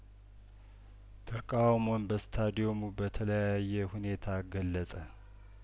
ተቃውሞውን በስታዲየሙ በተለያየ ሁኔታ ገለጸ